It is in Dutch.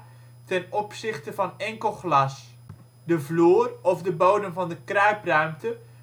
glas de vloer of de (bodem van de) kruipruimte